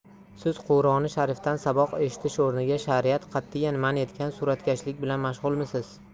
siz quroni sharifdan saboq eshitish o'rniga shariat qatiyan man etgan suratkashlik bilan mashg'ulmisiz